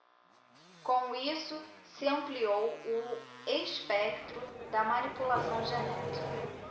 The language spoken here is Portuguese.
com isso se ampliou o espectro da manipulação genética